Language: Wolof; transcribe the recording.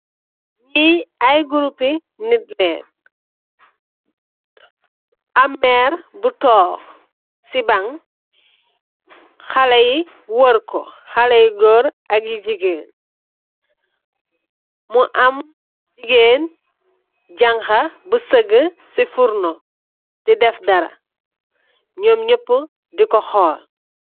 Fee aye groupe neete len am merr bu tonke se bang haleh yee werrku haleh yu goor ak yu jegain mu am jegain janha bu segeh se furno de def dara num nyepu deku hol.